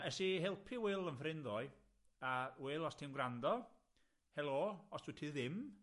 Es i helpu Wil 'yn ffrind ddoe, a Wil, os ti'n gwrando, helo, os dwyt ti ddim,